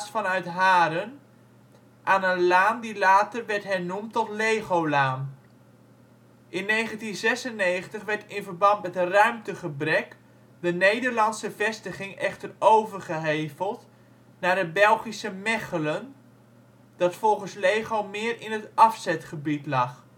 vanuit Haren) aan een laan die later werd hernoemd tot Legolaan. In 1996 werd in verband met ruimtegebrek de Nederlandse vestiging echter overgeheveld naar het Belgische Mechelen, dat volgens LEGO meer in het afzetgebied lag